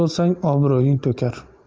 bo'lsang obro'ying to'kar